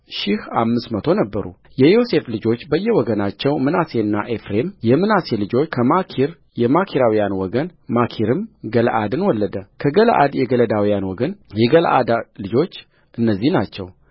ሺህ አምስት መቶ ነበሩየዮሴፍ ልጆች በየወገናቸው ምናሴና ኤፍሬምየምናሴ ልጆች ከማኪር የማኪራውያን ወገን ማኪርም ገለዓድን ወለደ ከገለዓድ የገልዓዳውያን ወገንየገለዓድ ልጆች እነዚህ ናቸው